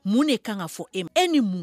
Mun de ye kan ka fɔ e ma e ni mun